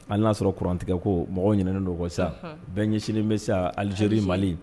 Hali n'a y'a sɔrɔ courant tigɛ koo mɔgɔw ɲinɛnen do o kɔ sisan unhun bɛɛ ɲɛsinnen bɛ sisan Algérie Mali